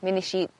mi nesh i